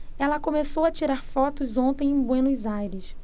ela começou a tirar fotos ontem em buenos aires